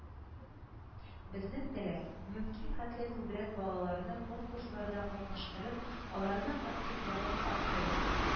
– безнең теләк – мөмкин хәтле күбрәк балаларны конкурсларда катнаштырып, аларның активлыгын арттыру